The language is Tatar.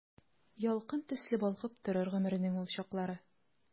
Ялкын төсле балкып торыр гомернең ул чаклары.